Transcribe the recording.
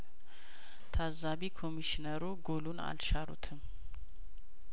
ታዛቢ ኮሚሽነሩ ጐሉን አልሻሩትም